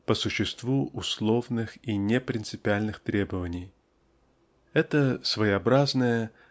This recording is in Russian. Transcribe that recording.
по существу условных и непринципиальных требований --это своеобразное